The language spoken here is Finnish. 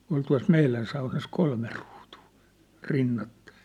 oli tuossa meidän saunassa kolme ruutua rinnakkain